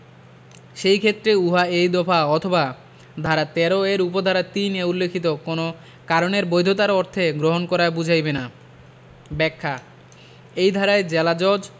সেইক্ষেত্রে উহা এই দফা অথবা ধারা ১৩ এর উপ ধারা ৩ এ উল্লেখিত কোন কারণের বৈধতার অর্থে গ্রহণ করা বুঝাইবে না ব্যাখ্যা এই ধারায় জেলাজজ